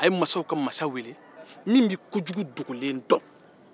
a ye masaw ka masa weele min bɛ kojugu dogolen dɔn